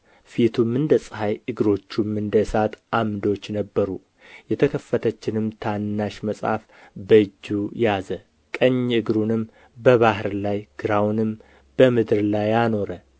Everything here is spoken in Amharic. ፊቱም እንደ ፀሐይ እግሮቹም እንደ እሳት ዓምዶች ነበሩ የተከፈተችንም ታናሽ መጽሐፍ በእጁ ያዘ ቀኝ እግሩንም በባሕር ላይ ግራውንም በምድር ላይ አኖረ